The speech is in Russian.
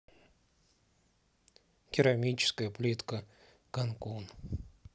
керамическая плитка канкун